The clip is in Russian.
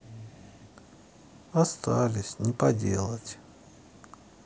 остались на поделать